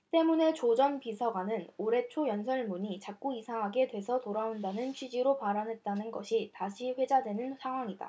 때문에 조 전 비서관이 올해 초 연설문이 자꾸 이상하게 돼서 돌아온다는 취지로 발언했다는 것이 다시 회자되는 상황이다